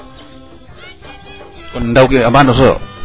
kon ndawte amba ndosoyo